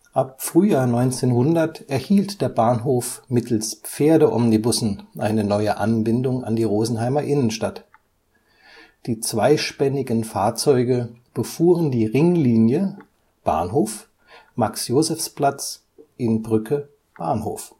Ab Frühjahr 1900 erhielt der Bahnhof mittels Pferdeomnibussen eine neue Anbindung an die Rosenheimer Innenstadt. Die zweispännigen Fahrzeuge befuhren die Ringlinie Bahnhof – Max-Josefs-Platz – Innbrücke – Bahnhof